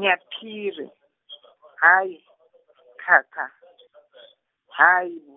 Nyaphiri, hhayi, kha kha, hhayi bu